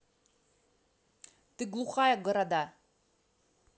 ты глухая города